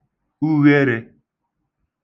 ugherē